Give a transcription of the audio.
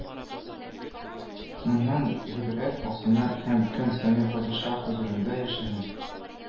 Моннан гыйбрәт алсыннар һәм көн саен падишаһ хозурында яшерен